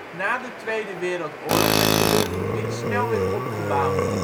Na de tweede wereldoorlog werd het Ruhrgebied snel weer opgebouwd